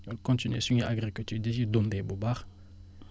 continué suñu agriculture di si dundee bu baax